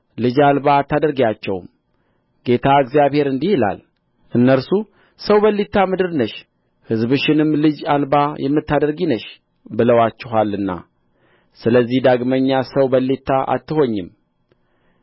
ልጅ አልባ አታደርጊአቸውም ጌታ እግዚአብሔር እንዲህ ይላል እነርሱ ሰው በሊታ ምድር ነሽ ሕዝብሽንም ልጅ አልባ የምታደርጊ ነሽ ብለዋችኋልና ስለዚህ ዳግመኛ ሰው በሊታ አትሆኝም